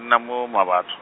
ke na mo, Mmabatho.